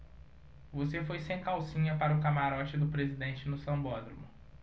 você foi sem calcinha para o camarote do presidente no sambódromo